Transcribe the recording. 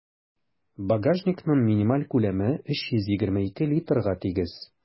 Багажникның минималь күләме 322 литрга тигез.